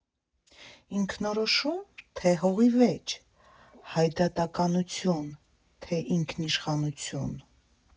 Ինքնորոշո՞ւմ, թե՞ հողի վեճ, հայդատականություն, թե՞ ինքնիշխանություն։